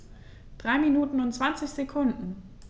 3 Minuten und 20 Sekunden